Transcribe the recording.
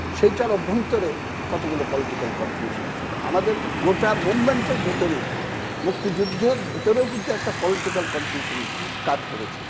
সেটার অভ্যন্তরে কতগুলো পলিটিক্যাল কনফিউশন ছিল আমাদের গোটা মুভমেন্ট এর ভেতরেই মুক্তিযুদ্ধের ভিতরেও কিন্তু একটা পলিটিক্যাল কনফিউশন কাজ করেছে